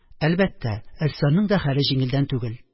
Әлбәттә, Әсфанның да хәле җиңелдән түгел